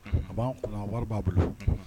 A b' wari b'a bolo